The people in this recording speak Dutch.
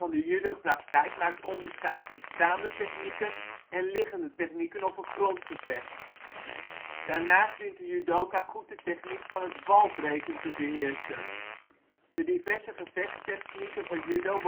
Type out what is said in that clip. judopraktijk maakt onderscheid in tachi-waza (staande technieken) ne-waza (liggende technieken, grondgevecht) Daarnaast dient de judoka goed de techniek van het ukemi-waza valbreken te beheersen. De diverse gevechtstechnieken van judo